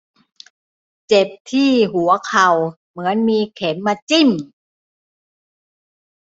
เจ็บที่หัวเข่าเหมือนมีเข็มมาจิ้ม